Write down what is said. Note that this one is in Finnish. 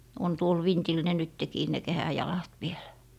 on tuolla vintillä ne nytkin ne kehäjalat vielä